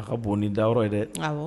A ka bon ni dayɔrɔ ye dɛ